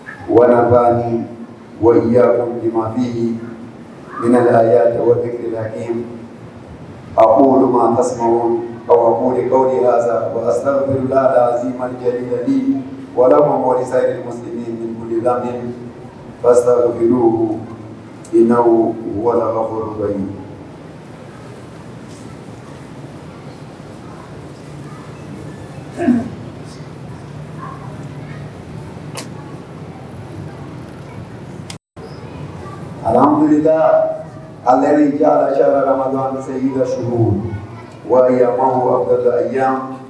Waban wa bɛna jalaki a ko kɔnɔ ma aw ko baw nisa walasasa minlasimajali walamasayi ma ni bolila walasasa iina wa in wulila ale jaraja se ka su walima yan